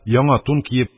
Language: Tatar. Яңа тун киеп,